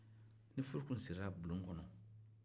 ni furu tun sirila bulon kɔnɔ